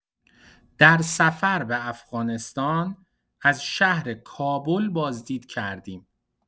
در سفر به افغانستان، از شهر کابل بازدید کردیم.